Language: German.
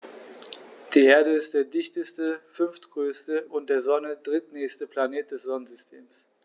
Die Erde ist der dichteste, fünftgrößte und der Sonne drittnächste Planet des Sonnensystems.